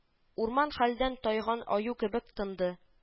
Урман хәлдән тайган аю кебек тынды